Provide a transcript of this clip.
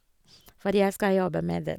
Fordi jeg skal jobbe med den.